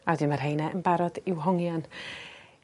A wedyn ma' rheine yn barod i'w hongian.